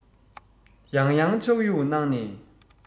ཡང ཡང ཕྱག གཡུགས གནང ནས